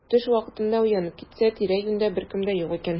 Төш вакытында уянып китсә, тирә-юньдә беркем дә юк икән.